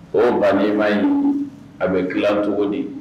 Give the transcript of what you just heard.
O banima iin a be kila togodi